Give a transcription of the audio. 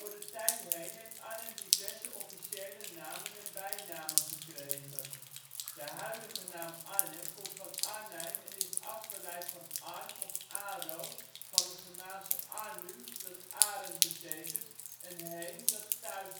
de tijd heen heeft Arnhem diverse officiële namen en bijnamen gekregen. De huidige naam Arnhem komt van Arneym en is afgeleid van Arn of Aro - van het Germaanse arnu (arend) - en heem (thuis